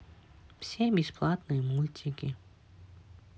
все бесплатные мультики